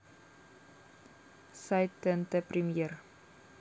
сайт тнт премьер